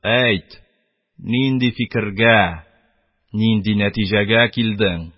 Әйт, нинди фикергә, нинди нәтиҗәгә килдең?